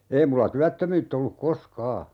ei minulla työttömyyttä ollut koskaan